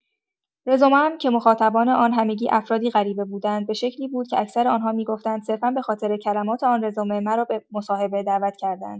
رزومه‌ام که مخاطبان آن همگی افرادی غریبه بودند به شکلی بود که اکثر آن‌ها می‌گفتند صرفا به‌خاطر کلمات آن رزومه، مرا به مصاحبه دعوت کرده‌اند.